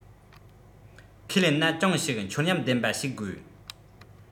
ཁས ལེན ན ཅུང ཞིག མཆོར ཉམས ལྡན པ ཞིག དགོས